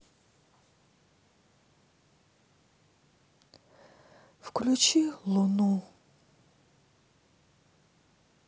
включи луну